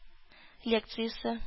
Лекциясе